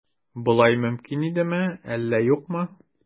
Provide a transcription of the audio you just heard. Болай мөмкин идеме, әллә юкмы?